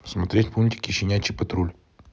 смотреть мультики щенячий патруль